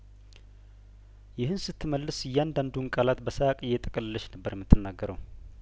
ይህን ስት መልስ እያንዳዱን ቃላት በሳቅ እየጠቀለለች ነበር የም ትናገረው